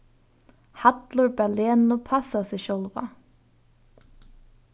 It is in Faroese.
hallur bað lenu passa seg sjálva